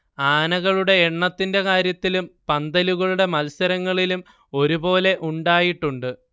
ആനകളുടെ എണ്ണത്തിന്റെ കാര്യത്തിലും പന്തലുകളൂടെ മത്സരങ്ങളിലും ഒരു പോലെ ഉണ്ടായിട്ടുണ്ട്